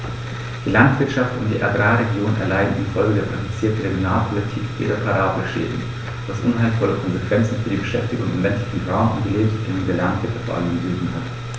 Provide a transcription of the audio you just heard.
Die Landwirtschaft und die Agrarregionen erleiden infolge der praktizierten Regionalpolitik irreparable Schäden, was unheilvolle Konsequenzen für die Beschäftigung im ländlichen Raum und die Lebensbedingungen der Landwirte vor allem im Süden hat.